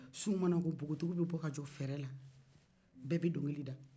su mana ko npogotigiw bɛ bɔ ka jɔ fɛrɛ la bɛɛ bɛ donkili da